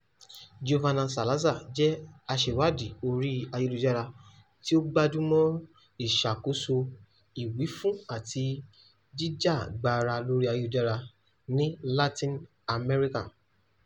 Giovanna Salazar jẹ́ aṣẹ̀wádìí orí ayélujára tí ó gbájú mọ́ ìṣàkóso ìwífún àti ìjìjàgbara lórí ayélujára ní Latin America.